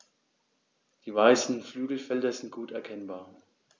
Die weißen Flügelfelder sind gut erkennbar.